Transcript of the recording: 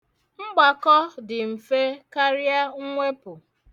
Mgbakọ dị mfe karịa mwepu.